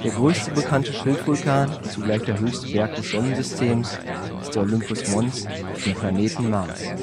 größte bekannte Schildvulkan und zugleich der höchste Berg des Sonnensystems ist der Olympus Mons auf dem Planeten Mars